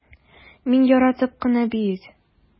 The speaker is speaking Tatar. Мин яратып кына бит...